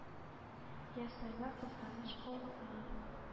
Я сайла кызганыч коллыкны.